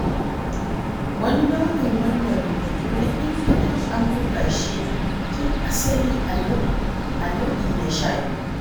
Wani nau'i na wannan rubutu na intanet an buga shi tun asali a r12n.